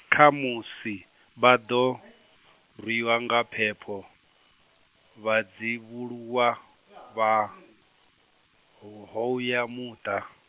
kha musi, vha ḓo , rwiwa nga phepho, vhadzivhuluwa vha, o hoya muṱa.